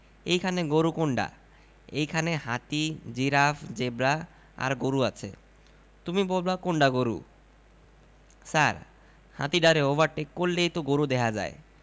এইখানে গরু কোনডা এইখানে হাতি জিরাফ জেব্রা আর গরু আছে তুমি বলবা কোনডা গরু ছার হাতিডারে ওভারটেক করলেই তো গরু দেহা যায়